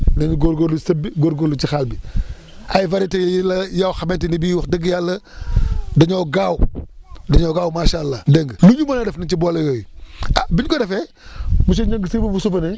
nañu góorgóorlu ci sëb bi góorgóorlu ci xaal bi ay variétés yu la yoo xamante ni bii wax dëgg yàlla dañoo gaaw dañoo gaaw macha allah dégg nga lu ñu mën a def nañ ci boole yooyu ah biñ ko defee monsieur Ngingue si vous sous souvenez